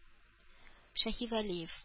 Шаһивәлиев